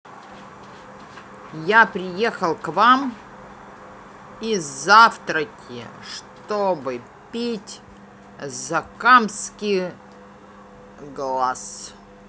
я приехал к вам из завтраки чтобы пить за хамский глаз